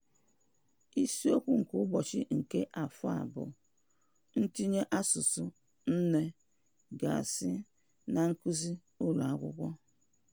Isiokwu nke Ụbọchị nke afọ a bụ ntinye asụsụ nne gasị na nkuzi ụlọ akwụkwọ.